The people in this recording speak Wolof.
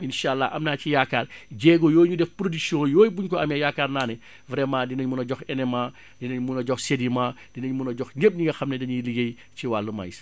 insàllaa am naa ci yaakaar jéego yooyu ñu def production yooyu buñ ko amee yaakaar naa ne vraiment dinañ mën a jox NMA dinañ mën a jox SEDIMA dinañ mën a jox ñépp ñi nga xam ne dañuy liggéey ci wàllum maïs